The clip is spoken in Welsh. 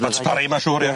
Robat Parry ma'n siŵr ie.